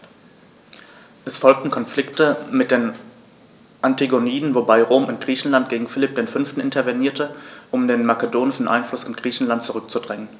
Es folgten Konflikte mit den Antigoniden, wobei Rom in Griechenland gegen Philipp V. intervenierte, um den makedonischen Einfluss in Griechenland zurückzudrängen.